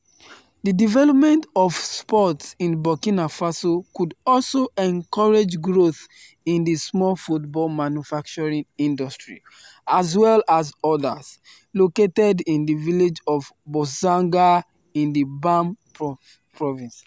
The development of sports in Burkina Faso could also encourage growth in the small football manufacturing industry (as well as others) located in the village of Bourzanga in the Bam province.